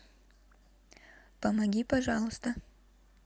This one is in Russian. помоги пожалуйста